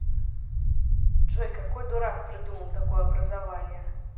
джой какой дурак придумал такое образование